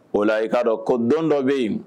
O la i k'a dɔ ko don dɔ be ye